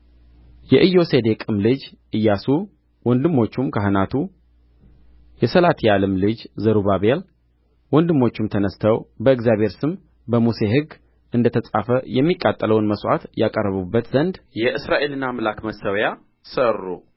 የኢዮሴዴቅም ልጅ ኢያሱ ወንድሞቹም ካህናቱ የሰላትያልም ልጅ ዘሩባቤል ወንድሞቹም ተነሥተው በእግዚአብሔር ሰው በሙሴ ሕግ እንደ ተጻፈ የሚቃጠለውን መሥዋዕት ያቀርቡበት ዘንድ የእስራኤልን አምላክ መሠዊያ ሠሩ